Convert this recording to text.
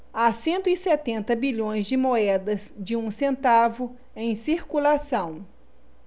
há cento e setenta bilhões de moedas de um centavo em circulação